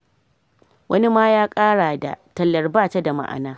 wani ma ya kara da: “Tallar bata da ma’ana.”